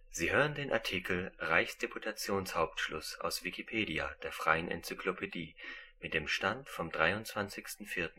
Sie hören den Artikel Reichsdeputationshauptschluss, aus Wikipedia, der freien Enzyklopädie. Mit dem Stand vom Der